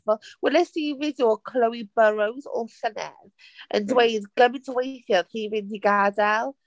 Fel weles i fideo o Chloe Burrows o llynedd yn dweud gymaint o weithiau oedd hi'n mynd i gadael.